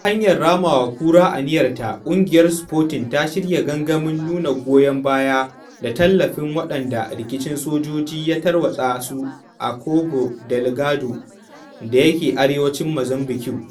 Ta hanyar rama wa kura aniyarta, Ƙungiyar Sporting ta shirya gangamin nuna goyan baya da tallafin waɗanda rikicin sojoji ya tarwatsa su a Cabo Ddelgado da yake arewacin Muzambique.